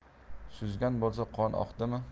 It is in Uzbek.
suzgan bo'lsa qon oqdimi